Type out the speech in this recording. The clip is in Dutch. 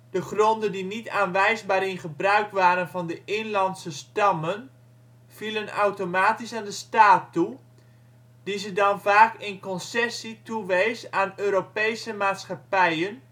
de gronden die niet aanwijsbaar in gebruik waren van de inlandse stammen - vielen automatisch aan de staat toe, die ze dan vaak in concessie toewees aan Europese maatschappijen